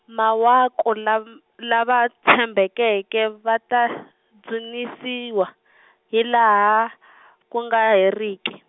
mawaku lam- lava tshembekeke va ta, dzunisiwa , hilaha , ku nga heriki.